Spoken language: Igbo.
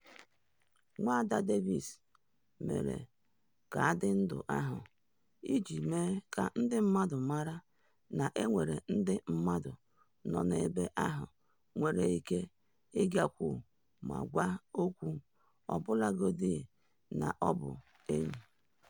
Nwada Davis mere kaadị ndị ahụ, “iji mee ka ndị mmadụ mara na enwere ndị mmadụ nọ ebe a ha nwere ike ịgakwu ma gwa okwu, ọbụlagodi na ọ bụ enyi.